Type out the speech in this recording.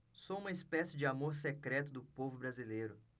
sou uma espécie de amor secreto do povo brasileiro